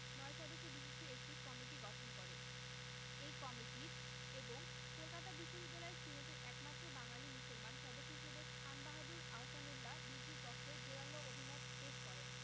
৯ সদস্য বিশিষ্ট একটি কমিটি গঠন করে এই কমিটির এবং কলকাতা বিশ্ববিদ্যালয় সিনেটের একমাত্র বাঙালি মুসলমান সদস্য হিসেবে খান বাহাদুর আহসানউল্লাহ বিলটির পক্ষে জোরালো অভিমত পেশ করেন